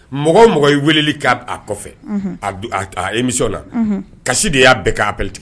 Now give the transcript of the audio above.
Mɔgɔ mɔgɔ ye wele kɛ a kɔfɛ; Unhun; A a émission na; Unhun; Kasi de y'a bɛɛ k'a appel tigɛ.